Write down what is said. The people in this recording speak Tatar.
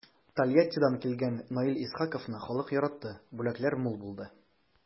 Тольяттидан килгән Наил Исхаковны халык яратты, бүләкләр мул булды.